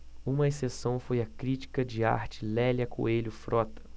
uma exceção foi a crítica de arte lélia coelho frota